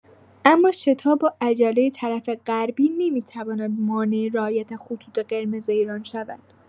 اما شتاب و عجله طرف غربی نمی‌تواند مانع رعایت خطوط قرمز ایران شود.